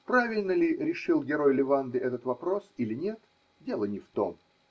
Правильно ли решил герой Леванды этот вопрос или нет – дело не в том